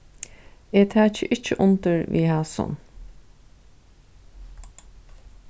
eg taki ikki undir við hasum